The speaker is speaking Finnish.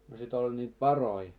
no sitten oli niitä paroja